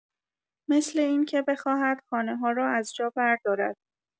مثل اینکه بخواهد خانه‌ها را از جا بردارد.